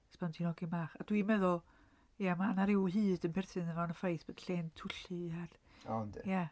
Ers pan ti'n hogyn bach. A dwi'n meddwl ia ma' 'na ryw hyd yn perthyn iddo fo yn y ffaith bod y lle'n tywyllu a'r... o yndy. ...ia.